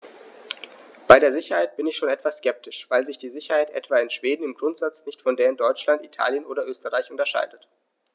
Bei der Sicherheit bin ich schon etwas skeptisch, weil sich die Sicherheit etwa in Schweden im Grundsatz nicht von der in Deutschland, Italien oder Österreich unterscheidet.